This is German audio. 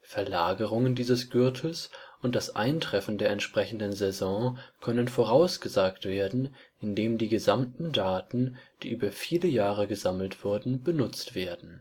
Verlagerungen dieses Gürtels und das Eintreffen der entsprechenden Saison können vorausgesagt werden, indem die gesamten Daten, die über viele Jahre gesammelt wurden, benutzt werden